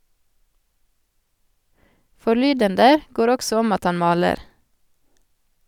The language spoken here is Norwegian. Forlydender går også om at han maler.